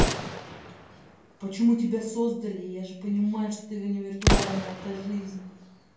почему тебя создали я же понимаю что ты невиртуальная это жизнь